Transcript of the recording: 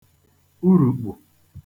urùkpù